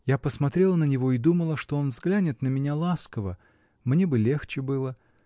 Я посмотрела на него и думала, что он взглянет на меня ласково: мне бы легче было.